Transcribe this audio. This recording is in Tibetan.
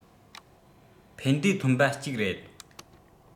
ཕན འབྲས ཐོན པ ཅིག རེད